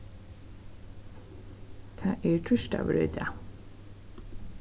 tað er týsdagur í dag